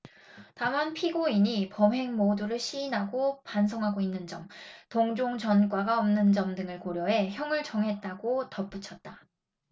다만 피고인이 범행 모두를 시인하고 반성하고 있는 점 동종 전과가 없는 점 등을 고려해 형을 정했다고 덧붙였다